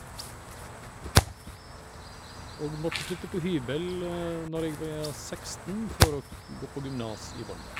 Og måtte flytte på hybel når jeg var seksten for å gu gå på gymnas i Volda.